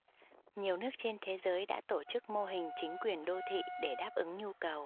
nhiều nước trên thế giới đã tổ chức mô hình chính quyền đô thị để đáp ứng nhu cầu